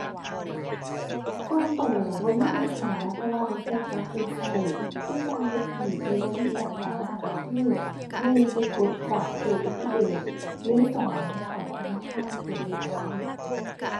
ส่วนตัวบ่มีปัญหา เพราะว่าตัวแค่กลับไปตัวคือจั่งแต่กี้ที่บ่มีแอปเข้ามาตัวคือ หนึ่ง ไปกดจากตู้ ATM หรือ สอง เข้าธนาคารเพื่อไปถอนเงินออกมา